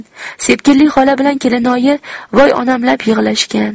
sepkilli xola bilan kelinoyi voy onamlab yig'lashgan